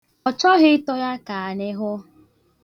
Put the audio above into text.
Ọ chọghị ịtọ ya ka anyị hụ.